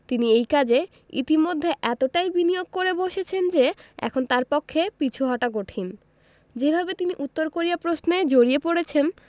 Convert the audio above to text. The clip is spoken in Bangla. তিনি এই কাজে ইতিমধ্যে এতটাই বিনিয়োগ করে বসেছেন যে এখন তাঁর পক্ষে পিছু হটা কঠিন যেভাবে তিনি উত্তর কোরিয়া প্রশ্নে জড়িয়ে পড়েছেন